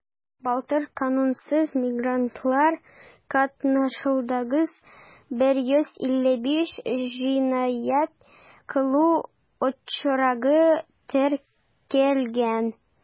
Былтыр канунсыз мигрантлар катнашлыгында 155 җинаять кылу очрагы теркәлгән.